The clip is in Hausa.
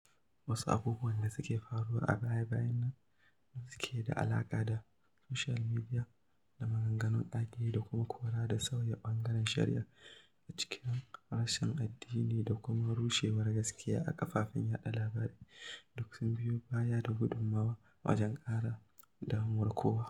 Wasu abubuwan da suka faru a baya-bayan nan da suke da alaƙa da soshiyal midiya da maganganun ƙage da kuma kora da sauya ɓangaren shari'a a cikin rashin adalci da kuma rushewar gaskiya a kafafen yaɗa labarai duk sun bayar da gudummawa wajen ƙara damuwar kowa.